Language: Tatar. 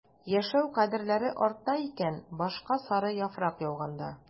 Яшәү кадерләре арта икән башка сары яфрак яуганда...